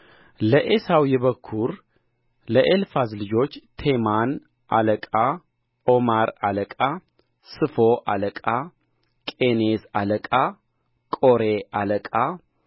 ለዔሳው የበኵር ለኤልፋዝ ልጆች ቴማን አለቃ ኦማር አለቃ ስፎ አለቃ ቄኔዝ አለቃ ቆሬ አለቃ